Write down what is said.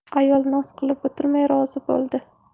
ayol noz qilib o'tirmay rozi bo'ldi